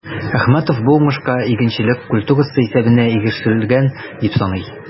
Әхмәтов бу уңышка игенчелек культурасы исәбенә ирешелгән дип саный.